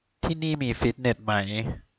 ที่นี่มีฟิตเนสไหม